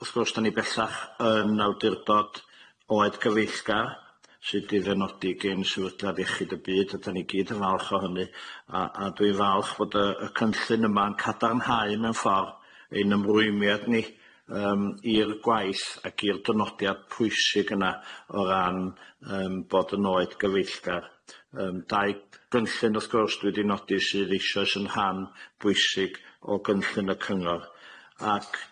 wrth gwrs dan ni bellach yn awdurdod oed gyfeillgar sydd i ddenodi gan sefydliad iechyd y byd a dan ni gyd yn falch o hynny a- a dwi falch bod y- y cynllun yma'n cadarnhau mewn ffor ein ymrwymiad ni yym i'r gwaith ac i'r dynodiad pwysig yna o ran yym bod yn oed gyfieillgar yym dau gynllun wrth gwrs dwi di nodi sydd eisoes yn rhan bwysig o gynllun y cyngor ac